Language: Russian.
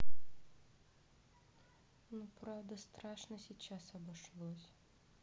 ну правда страшно сейчас обошлось